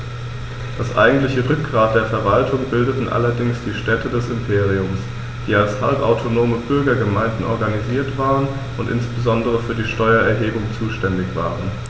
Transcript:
Das eigentliche Rückgrat der Verwaltung bildeten allerdings die Städte des Imperiums, die als halbautonome Bürgergemeinden organisiert waren und insbesondere für die Steuererhebung zuständig waren.